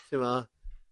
t'mo'